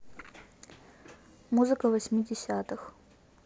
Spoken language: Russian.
музыка восьмидесятых